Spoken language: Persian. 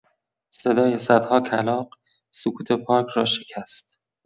صدای صدها کلاغ، سکوت پارک را شکست.